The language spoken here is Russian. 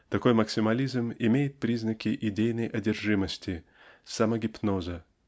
Такой максимализм имеет признали идейной одержимости самогипноза